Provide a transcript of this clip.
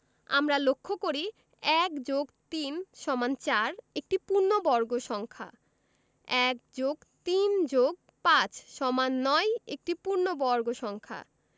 আমরা লক্ষ করি ১+৩=৪ একটি পূর্ণবর্গ সংখ্যা ১+৩+৫=৯ একটি পূর্ণবর্গ সংখ্যা